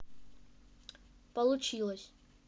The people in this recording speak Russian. получилось